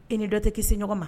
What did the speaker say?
I ni dɔ tɛ kisi ɲɔgɔn ma